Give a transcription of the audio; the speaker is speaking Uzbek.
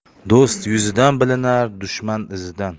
do'st yuzidan bilinar dushman izidan